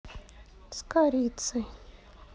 с корицей